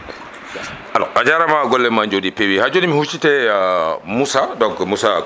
alors a jarama gollema jooɗi peewi ha joni mi huccitaye Moussa